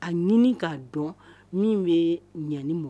A ɲini k'a dɔn min bɛ ɲa ni mɔ.